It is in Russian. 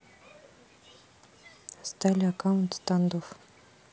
стали аккаунт standoff